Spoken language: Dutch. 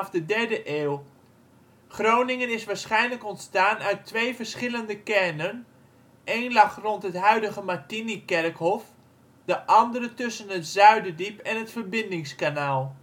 de derde eeuw. Groningen is waarschijnlijk ontstaan uit twee verschillende kernen, een lag rond het huidige Martinikerkhof, de andere tussen het Zuiderdiep en het Verbindingskanaal